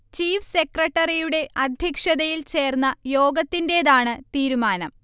chief സെക്രട്ടറിയുടെ അധ്യക്ഷതയിൽ ചേർന്ന യോഗത്തിൻറേതാണ് തീരുമാനം